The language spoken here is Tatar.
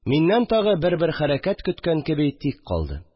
Миннән тагы бер-бер хәрәкәт көткән кеби тик калды